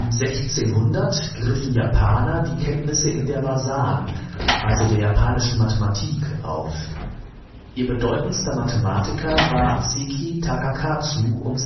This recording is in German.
1600 griffen Japaner die Kenntnisse in der Wasan (Japanische Mathematik) auf. Ihr bedeutendster Mathematiker war Seki Takakazu (um